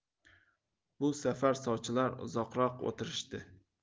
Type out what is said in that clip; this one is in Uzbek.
bu safar sovchilar uzoqroq o'tirishdi